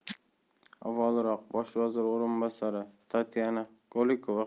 avvalroq bosh vazir o'rinbosari tatyana golikova